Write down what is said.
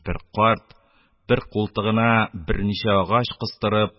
Бер карт, бер култыгына берничә агач кыстырып